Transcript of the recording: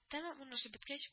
Тәмам урнашып беткәч